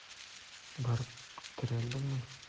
Барып терәлдеңме?